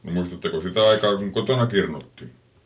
no muistatteko sitä aikaa kun kotona kirnuttiin